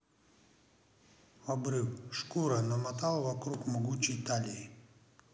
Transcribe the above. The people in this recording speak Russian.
обрыв шкура намотал вокруг могучей талии